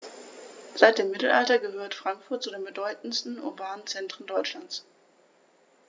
Seit dem Mittelalter gehört Frankfurt zu den bedeutenden urbanen Zentren Deutschlands.